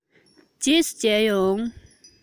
རྗེས སུ མཇལ ཡོང